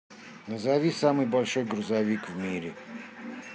назови самый большой грузовик в мире